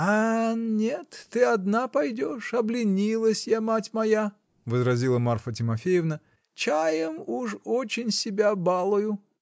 -- Ан нет, -- ты одна пойдешь: обленилась я, мать моя, -- возразила Марфа Тимофеевна, -- чаем уж очень себя балую.